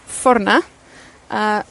ffor 'na, a